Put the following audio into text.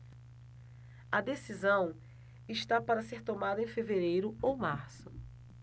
a decisão está para ser tomada em fevereiro ou março